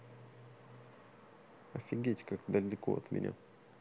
офигеть как ты далеко от меня